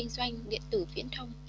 doanh điện tử viễn thông